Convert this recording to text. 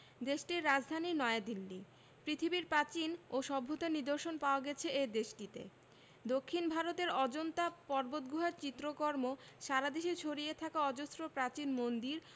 দেশটির রাজধানী নয়াদিল্লী পৃথিবীর প্রাচীন ও সভ্যতার নিদর্শন পাওয়া গেছে এ দেশটিতে দক্ষিন ভারতে অজন্তা পর্বতগুহার চিত্রকর্ম সারা দেশে ছড়িয়ে থাকা অজস্র প্রাচীন মন্দির